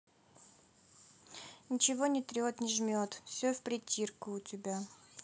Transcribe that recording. ничего не трет не жмет все в притирку у тебя